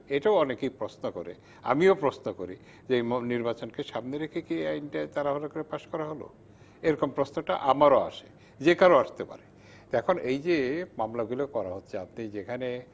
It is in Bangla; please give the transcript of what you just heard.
এটা অনেকে প্রশ্ন করে আমিও প্রশ্ন করি যে নির্বাচনকে সামনে রেখে কি এই আইনটা তাড়াহুড়া করে পাশ করা হলো এরকম প্রশ্নটা আমারও আছে যে কারো আসতে পারে এখন এই যে মামলাগুলো করা হচ্ছে আপনি যেখানে